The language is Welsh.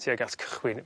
tuag at cychwyn